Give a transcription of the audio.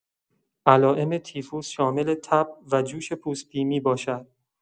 علائم تیفوس شامل تب و جوش پوستی می‌باشد.